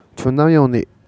ཁྱོད ནམ ཡོང ནིས